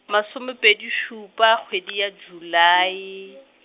masomepedi šupa, kgwedi ya Julae.